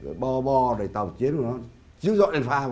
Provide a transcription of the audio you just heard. bo bo để tàu chiến của nó chiếu rọi đèn pha